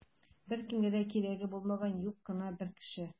Беркемгә дә кирәге булмаган юк кына бер кеше.